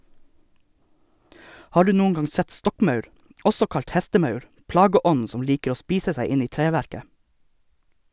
Har du noen gang sett stokkmaur, også kalt hestemaur, plageånden som liker å spise seg inn i treverket?